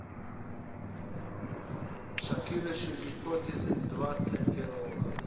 шокирующие гипотезы двадцать первого года